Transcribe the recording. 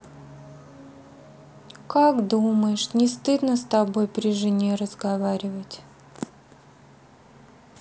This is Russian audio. как думаешь не стыдно с тобой при жене разговаривать